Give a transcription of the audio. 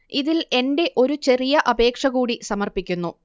ഇതിൽ എന്റെ ഒരു ചെറിയ അപേക്ഷ കൂടി സമർപ്പിക്കുന്നു